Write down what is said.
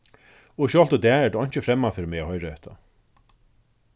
og sjálvt í dag er tað einki fremmant fyri meg at hoyra hetta